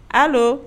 Paul